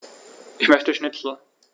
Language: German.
Ich möchte Schnitzel.